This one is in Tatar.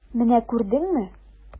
Менә күрдеңме!